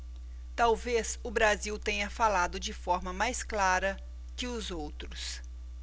talvez o brasil tenha falado de forma mais clara que os outros